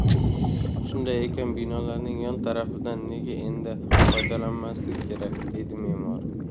shunday ekan binolarning yon tarafidan nega endi foydalanmaslik kerak deydi me'mor